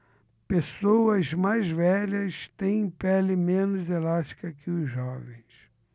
pessoas mais velhas têm pele menos elástica que os jovens